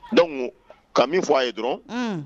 Dɔnku ka min fɔ a ye dɔrɔn